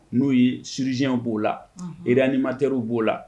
N'o ye chirurgien w b'o la unhun réanimateur w b'o la